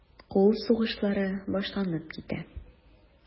Кул сугышлары башланып китә.